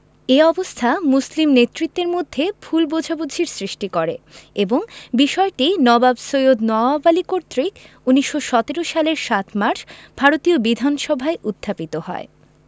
এ অবস্থা মুসলিম নেতৃত্বের মধ্যে ভুল বোঝাবুঝির সৃষ্টি করে এবং বিষয়টি নবাব সৈয়দ নওয়াব আলী কর্তৃক ১৯১৭ সালের ৭ মার্চ ভারতীয় বিধানসভায় উত্থাপিত হয়